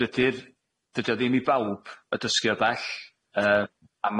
Dydi'r dydi o ddim i bawb y dysgu o bell yy a